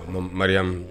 Ɔ mariamu